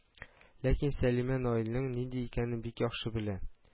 Ләкин Сәлимә Наилнең нинди икәнен бик яхшы белә